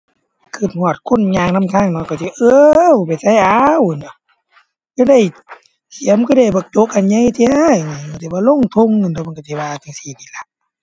คิดฮอดคนย่างนำทางเนาะคิดสิ เอิ้ว ไปไสอาว พู้นตั่ว เจ้าได้เสียมคือได้บักจกอันใหญ่แท้ จั่งใด สิบ่ลงคิดนั่นตั่ว เพิ่นคิดสิว่าจั่งซี้นี่ล่ะ